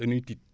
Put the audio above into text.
danuy tiit